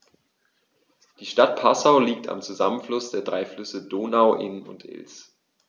Die Stadt Passau liegt am Zusammenfluss der drei Flüsse Donau, Inn und Ilz.